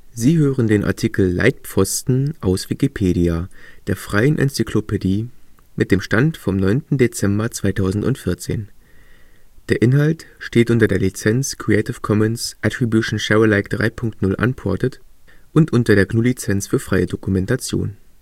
Sie hören den Artikel Leitpfosten, aus Wikipedia, der freien Enzyklopädie. Mit dem Stand vom Der Inhalt steht unter der Lizenz Creative Commons Attribution Share Alike 3 Punkt 0 Unported und unter der GNU Lizenz für freie Dokumentation